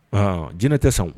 Aa jinɛinɛ tɛ sɔn